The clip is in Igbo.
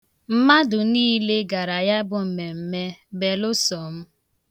Mmadụ niile gara ya bụ mmemme, belụsọ m.